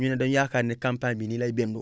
ñu ne dañu yaakaar ne campagne bi nii lay demee